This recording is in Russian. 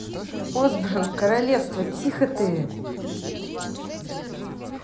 osborne королевство тихо ты